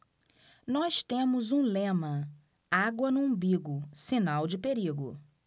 nós temos um lema água no umbigo sinal de perigo